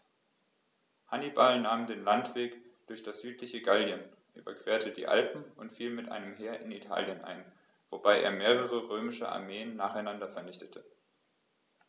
Hannibal nahm den Landweg durch das südliche Gallien, überquerte die Alpen und fiel mit einem Heer in Italien ein, wobei er mehrere römische Armeen nacheinander vernichtete.